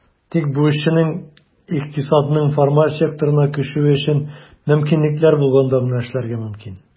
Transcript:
Тик бу эшченең икътисадның формаль секторына күчүе өчен мөмкинлекләр булганда гына эшләргә мөмкин.